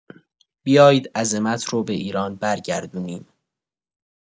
بیاید عظمت رو به ایران برگردونیم.